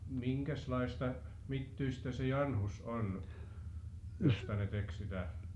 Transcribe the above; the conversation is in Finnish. minkäslaista mittyistä se janhus on josta ne teki sitä